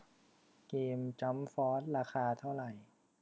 เกมจั้มฟอสราคาเท่าไหร่